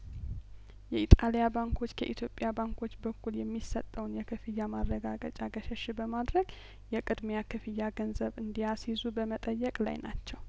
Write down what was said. የኢጣሊያባንኮች ከኢትዮጵያ ባንኮች በኩል የሚሰጠውን የክፍያ ማረጋገጫ ገሸሽ በማድረግ የቅድሚያ ክፍያ ገንዘብ እንዲያስይዙ በመጠየቅ ላይ ናቸው